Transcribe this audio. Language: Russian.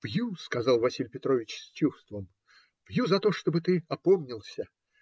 - Пью, - сказал Василий Петрович с чувством, - за то, чтобы ты опомнился.